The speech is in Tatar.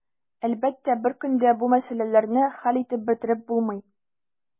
Әлбәттә, бер көндә генә бу мәсьәләләрне хәл итеп бетереп булмый.